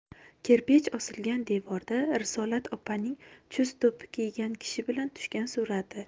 kirpech osilgan devorda risolat opaning chust do'ppi kiygan kishi bilan tushgan surati